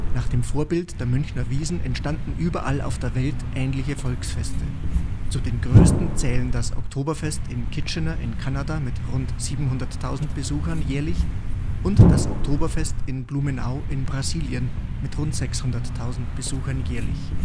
Nach dem Vorbild der Münchner Wiesn entstanden überall auf der Welt ähnliche Volksfeste. Zu den größten zählen das Oktoberfest in Kitchener in Kanada mit rund 700.000 Besuchern jährlich und das Oktoberfest in Blumenau in Brasilien mit rund 600.000 Besuchern jährlich